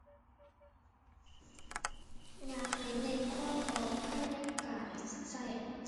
อยากให้เน้นความปลอดภัยในการใช้